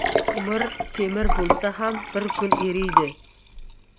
umr temir bo'lsa ham bir kun eriydi